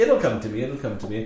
It'll come to me, it'll come to me.